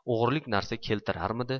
o'g'irlik narsa keltirarmidi